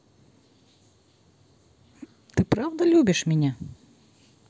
ты правда любишь меня